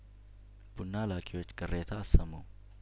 ቡና ላኪዎች ቅሬታ አሰሙ